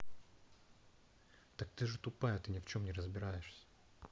так ты же глупая ты же ни в чем не разбираешься